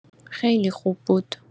خیلی خوب بود.